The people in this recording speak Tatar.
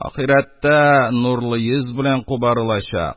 Ахирәттә нурлы йөз белән кубарылачак,